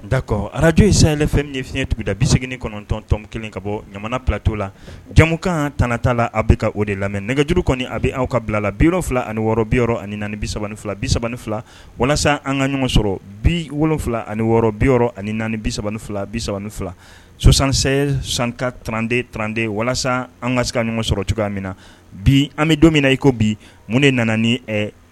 Dakɔ arajo insiyɛlɛfɛn ni fiɲɛɲɛuguda bi segin kɔnɔntɔntɔn kelen ka bɔ ɲa ptoo la jamumukan tta la a bɛ ka o de lamɛn nɛgɛjuru kɔni a bɛ' ka bilala bi fila ani wɔɔrɔ bi ani bi3 fila bi3 fila walasa an ka ɲɔgɔn sɔrɔ bi wolonfila ani wɔɔrɔ bi ani bi3 fila bi3 fila sosansɛ sanka tanranden tranden walasa an ka se ɲɔgɔn sɔrɔ cogoya min na bi an bɛ don min na iko bi mun de nana ni